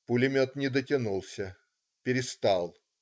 Пулемет не дотянулся, перестал.